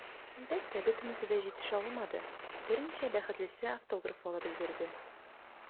Әлбәттә, бөтенесе дә җитешә алмады, берничә бәхетлесе автограф алып өлгерде.